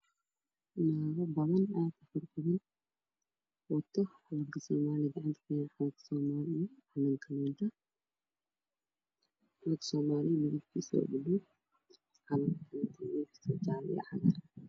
Waa niman marayo meel banaan ah oo wato fanaanad caanka soomaaliya ah iyo surwaal calanka soomaaliya kofi calanka soomaaliya ah